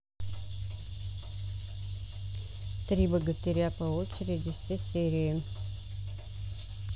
три богатыря по очереди все серии